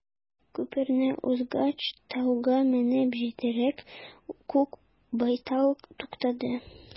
Күперне узгач, тауга менеп җитәрәк, күк байтал туктады.